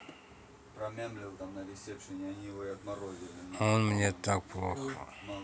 он мне так плохо